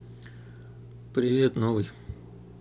привет новый